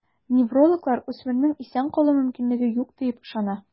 Неврологлар үсмернең исән калу мөмкинлеге юк диеп ышана.